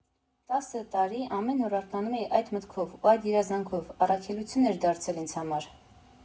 Տասը տարի ամեն օր արթնանում էի այդ մտքով ու այդ երազանքով, առաքելություն էր դարձել ինձ համար։